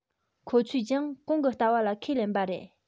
ཁོང ཚོས ཀྱང གོང གི ལྟ བ ལ ཁས ལེན པ རེད